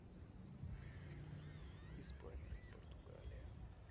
испания португалия